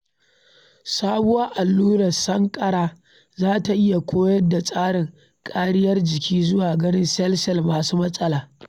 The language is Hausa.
Sabuwar allurar sankara za ta iya koyar da tsarin kariyar jiki zuwa ‘ganin’ sel-sel masu matsala